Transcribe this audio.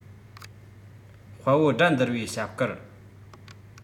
དཔའ བོ དགྲ འདུལ བའི ཞབས བསྐུལ